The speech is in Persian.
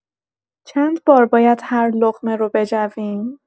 چند بار باید هر لقمه رو بجویم؟